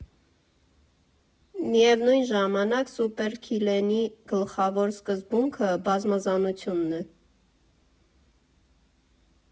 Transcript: Միևնույն ժամանակ Սուպերքիլենի գլխավոր սկզբունքը բազմազանությունն է.